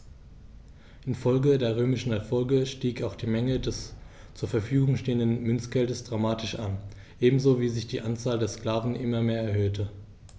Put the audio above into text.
Infolge der römischen Erfolge stieg auch die Menge des zur Verfügung stehenden Münzgeldes dramatisch an, ebenso wie sich die Anzahl der Sklaven immer mehr erhöhte.